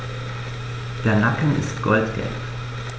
Der Nacken ist goldgelb.